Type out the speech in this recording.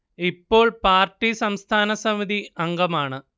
ഇപ്പോൾ പാർട്ടി സംസ്ഥാന സമിതി അംഗമാണ്